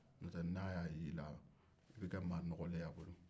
notɛ n'a y'a ye i la i bɛ kɛ maa nɔgɔlen ye a bolo